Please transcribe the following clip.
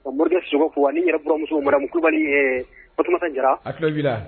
Ka Morikɛ Sisogo fo ani n yɛrɛ buranmuso madame Kulibali ɛɛ Fatumata Jara a tulo b'i la